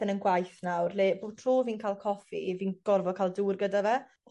yn 'yn gwaith nawr le bob tro fi'n ca'l coffi fi'n gorfo ca'l dŵr gyda fe.